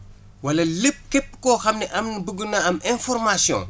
wala lépp képp koo xam ne am bugg naa am information